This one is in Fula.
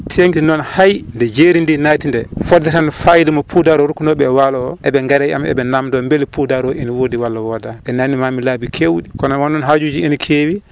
sengti noon hay nde jeeri ndi nati nde fodde tan fayida mo poudare rokkunoɗe walo o eɗe gaare am eɗe namdo beele poudare ene wodi walla wodani ɗe namdi mamami laabi kewɗi kono wonnoon hajuji ene kewi